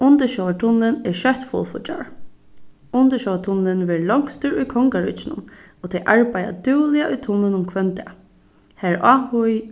undirsjóvartunnilin er skjótt fullfíggjaður undirsjóvartunnilin verður longstur í kongaríkinum og tey arbeiða dúgliga í tunlinum hvønn dag har er áhugi